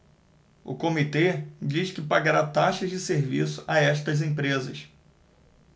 o comitê diz que pagará taxas de serviço a estas empresas